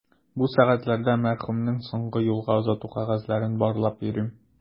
Бу сәгатьләрдә мәрхүмнең соңгы юлга озату кәгазьләрен барлап йөрим.